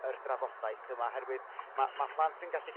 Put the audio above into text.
yr drafodaeth yma oherwydd ma' ma' plant yn gallu